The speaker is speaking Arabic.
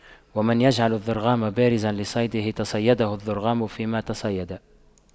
ومن يجعل الضرغام بازا لصيده تَصَيَّدَهُ الضرغام فيما تصيدا